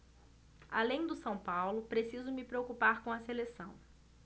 além do são paulo preciso me preocupar com a seleção